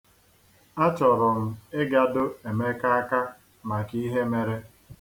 Achọrọ m ịgado Emeka aka maka ihe mere.